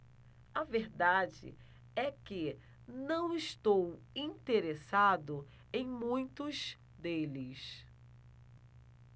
a verdade é que não estou interessado em muitos deles